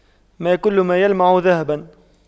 ما كل ما يلمع ذهباً